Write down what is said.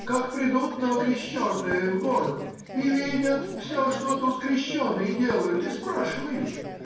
как придут новокрещенцы в город и видят все, что тут крещеные делают, и спрашивают